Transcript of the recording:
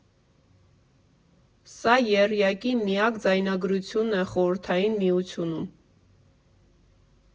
Սա եռյակի միակ ձայնագրությունն է Խորհրդային Միությունում.